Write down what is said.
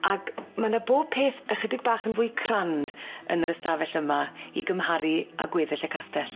ag ma' 'ny bob peth ychydig bach yn fwy crand yn yr ystafell yma i gymharu â gweddill y castell.